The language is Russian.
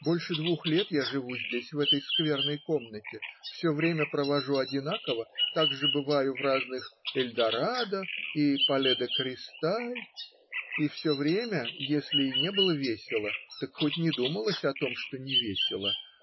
Больше двух лет я живу здесь, в этой скверной комнате, все время провожу одинаково, также бываю в разных Эльдорадо и Пале-де-Кристаль, и все время если и не было весело, так хоть не думалось о том, что невесело